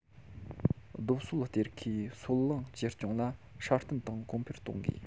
རྡོ སོལ གཏེར ཁའི སོལ རླངས བཅོས སྐྱོང ལ སྲ བརྟན དང གོང འཕེལ གཏོང དགོས